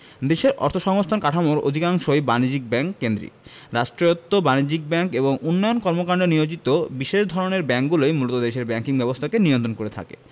দেশের অর্থসংস্থান কাঠামোর অধিকাংশই বাণিজ্যিক ব্যাংক কেন্দ্রিক রাষ্ট্রায়ত্ত বাণিজ্যিক ব্যাংক এবং উন্নয়ন কর্মকান্ডে নিয়োজিত বিশেষ ধরনের ব্যাংকগুলোই মূলত দেশের ব্যাংকিং ব্যবস্থাকে নিয়ন্ত্রণ করে থাকে